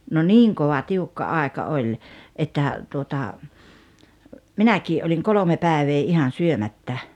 no niin kova tiukka aika oli että tuota minäkin olin kolme päivää ihan syömättä